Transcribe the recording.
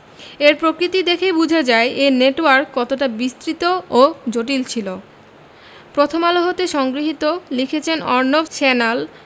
এর প্রকৃতি দেখেই বোঝা যায় এই নেটওয়ার্ক কতটা বিস্তৃত ও জটিল ছিল প্রথম আলো হতে সংগৃহীত লিখেছেন অর্ণব স্যান্যাল